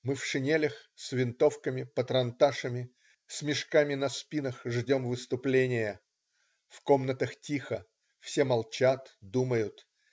Мы в шинелях, с винтовками, патронташами, с мешками на спинах ждем выступления. В комнатах тихо. Все молчат, думают.